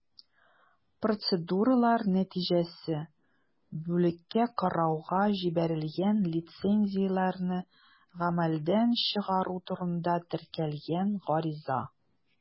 Процедуралар нәтиҗәсе: бүлеккә карауга җибәрелгән лицензияләрне гамәлдән чыгару турында теркәлгән гариза.